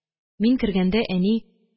Мин кергәндә, әни: